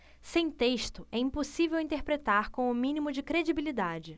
sem texto é impossível interpretar com o mínimo de credibilidade